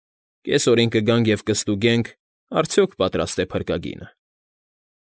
Կեսօրին կգանք և կստուգենք՝ արդյոք պատրա՞ստ է փրկագինը։